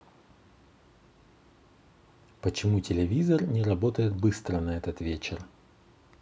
почему телевизор не работает быстро на этот вечер